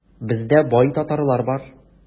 Бездә бай татарлар бар.